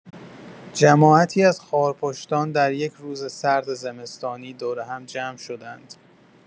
جماعتی از خارپشتان در یک روز سرد زمستانی دور هم جمع شدند.